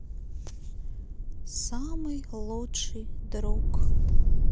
самый лучший друг